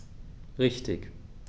Richtig